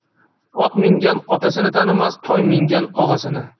ot mingan otasini tanimas toy mingan og'asini